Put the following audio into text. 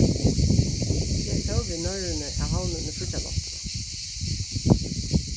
eg fór við norrønu av havnini fríggjanáttina